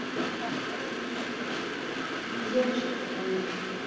девочка в тренде